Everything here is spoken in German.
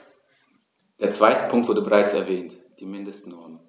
Der zweite Punkt wurde bereits erwähnt: die Mindestnormen.